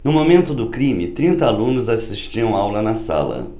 no momento do crime trinta alunos assistiam aula na sala